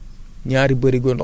ak ñaari brouette fumier